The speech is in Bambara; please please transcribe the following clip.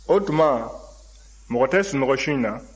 o tuma mɔgɔ tɛ sunɔgɔ su in na